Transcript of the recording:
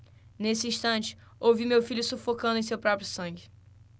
nesse instante ouvi meu filho sufocando em seu próprio sangue